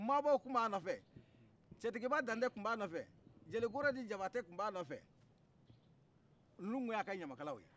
maabɔ tun ba nɔfɛ cɛntigiba dante tu ba nɔfɛ jeli gɔridi jabatɛ tun ba nɔfɛ nunun tu y'a ka ɲamakalaw ye